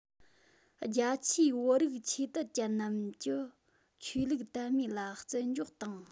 རྒྱ ཆེའི བོད རིགས ཆོས དད ཅན རྣམས ཀྱི ཆོས ལུགས དད མོས ལ བརྩི འཇོག དང